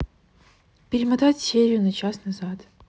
перемотать серию на час назад